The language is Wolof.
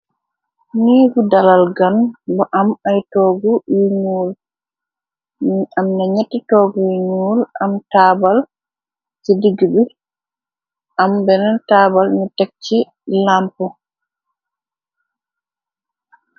néegu dalal gan ba am ay toogu yu ñuul am na ñetti toogu yu ñuul am taabal ci digg bi am benn taabal ñu teg ci lamp